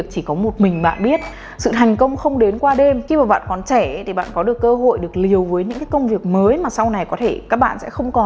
chỉ có một mình bạn biết sự thành công không đến qua đêm khi mà bạn còn trẻ thì bạn có được cơ hội được liều với những công việc mới mà sau này có thể các bạn sẽ không còn